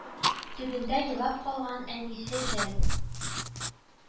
Төбендә елап калган әнисе жәл